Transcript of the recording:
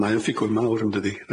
A mae o'n ffigwr mawr yndydi?